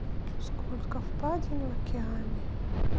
сколько впадин в океане